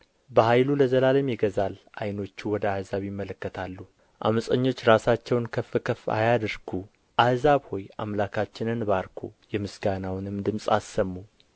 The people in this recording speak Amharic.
በኃይሉ ለዘላለም ይገዛል ዓይኖቹ ወደ አሕዛብ ይመለከታሉ ዓመፀኞች ራሳቸውን ከፍ ከፍ አያድርጉ አሕዛብ ሆይ አምላካችንን ባርኩ የምስጋናውንም ድምፅ አሰሙ